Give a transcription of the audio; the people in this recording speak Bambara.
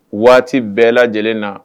Waati bɛɛ lajɛlen na